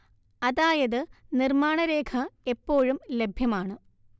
അതായത് നിർമ്മാണരേഖ എപ്പോഴും ലഭ്യമാണ്